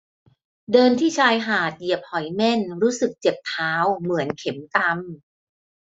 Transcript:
เดินที่ชายหาดเหยียบหอยเม่นรู้สึกเจ็บเท้าเหมือนเข็มตำ